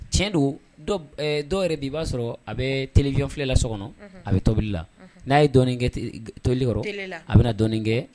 Tiɲɛ don dɔb ɛɛ dɔ yɛrɛ be ye i b'a sɔrɔɔ a bɛɛ télévision filɛ la sɔkɔnɔ unhun a bɛ tobili la n'a ye dɔni kɛ te e g tobili kɔrɔ télé la a bena dɔɔnin kɛɛ